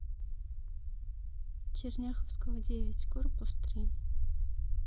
черняховского девять корпус три